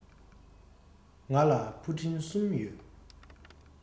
ང ལ ཕུ འདྲེན གསུམ ཡོད